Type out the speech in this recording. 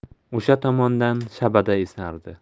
o'sha tomondan shabada esardi